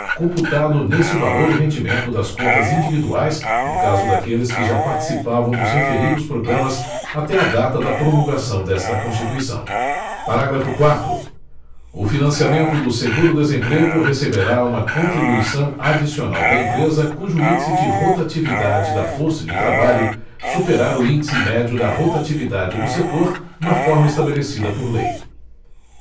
computado neste valor o rendimento das contas individuais no caso daqueles que já participavam dos referidos programas até a data da promulgação desta constituição parágrafo quarto o financiamento do seguro desemprego receberá uma contribuição adicional da empresa cujo índice de rotatividade da força de trabalho superar o índice médio da rotatividade do setor na forma estabelecida por lei